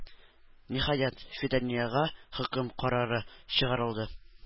Ниһаять, Фиданиягә хөкем карары чыгарылды.